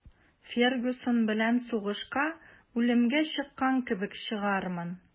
«фергюсон белән сугышка үлемгә чыккан кебек чыгармын»